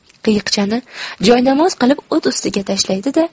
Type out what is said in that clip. qiyiqchani joynamoz qilib o't ustiga tashlaydi da